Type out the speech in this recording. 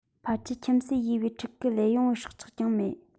ཕལ ཆེར ཁྱིམ གསོས ཡོས བུའི ཕྲུ གུ ལས གཡུང བའི སྲོག ཆགས ཤིག ཀྱང མེད